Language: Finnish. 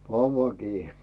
pane vain kiinni